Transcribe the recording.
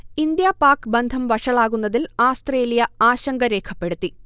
India Pak ബന്ധം വഷളാകുന്നതിൽ Australia ആശങ്ക രേഖപ്പെടുത്തി